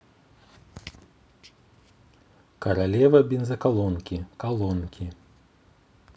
королева бензоколонки колонки